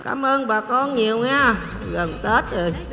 cám ơn bà con nhiều nghe gần tết rồi